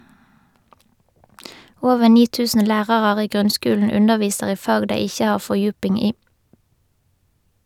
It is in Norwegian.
Over ni tusen lærarar i grunnskulen underviser i fag dei ikkje har fordjuping i.